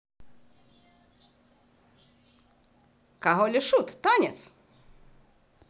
король и шут танец